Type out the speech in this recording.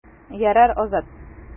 Ярар, Азат.